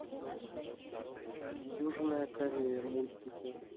южная корея мультики